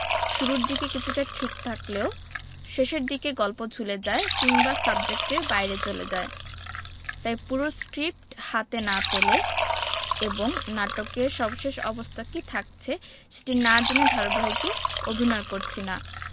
শুরুর দিকে কিছুটা ঠিক থাকলেও শেষের দিকে গল্প ঝুলে যায় কিংবা সাবজেক্টের বাইরে চলে যায় তাই পুরো স্ক্রিপ্ট হাতে না পেলে এবং নাটকের সর্বশেষ অবস্থা কী থাকছে সেটি না জেনে ধারাবাহিকে অভিনয় করছি না